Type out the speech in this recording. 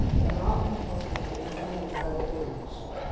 é a maior campanha da empresa realizada até hoje